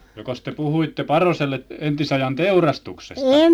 jokos te puhuitte Paroselle entisajan teurastuksesta